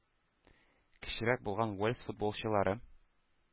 Кечерәк булган уэльс футболчылары